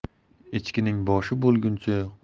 echkining boshi bo'lguncha